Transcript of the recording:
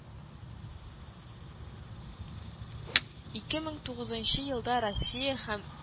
Ике мең тугызынчы елда Россия һәм